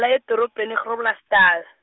-la edorobheni Groblersdal.